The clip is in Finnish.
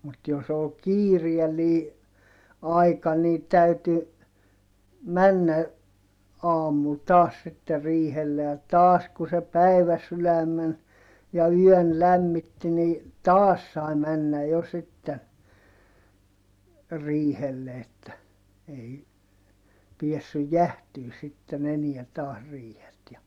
mutta jos oli kiireellinen aika niin täytyi mennä aamulla taas sitten riihelle ja taas kun se päiväsydämen ja yön lämmitti niin taas sai mennä jo sitten riihelle että ei päässyt jäähtymään sitten enää taas riihet ja